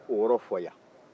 n bɛ o yɔrɔ fɔ yan